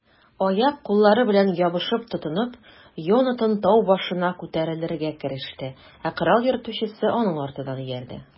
Аяк-куллары белән ябышып-тотынып, Йонатан тау башына күтәрелергә кереште, ә корал йөртүчесе аның артыннан иярде.